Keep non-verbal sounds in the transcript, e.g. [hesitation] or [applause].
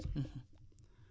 [hesitation] [hesitation]